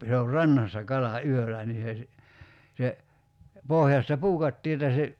se on rannassa kala yöllä niin se - se pohjasta puukattiin että se